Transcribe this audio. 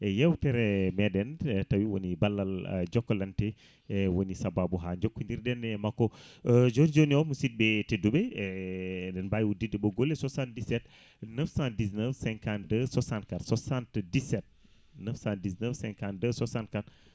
e yewtere meɗen tawi woni ballal Jokalante e woni saababu ha jokkodirɗen e makko joni joni o musidɓe tedduɓe e eɗen mbawi udditde ɓoggol e 77 919 52 64 77 919 52 64